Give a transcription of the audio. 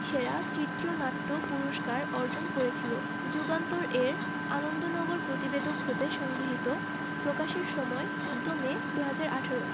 সেরা চিত্রনাট্য পুরস্কার অর্জন করেছিল যুগান্তর এর আনন্দনগর প্রতিবেদক হতে সংগৃহীত প্রকাশের সময় ১৪ মে ২০১৮